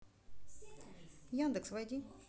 яндекс войди